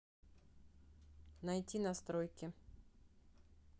найти настройки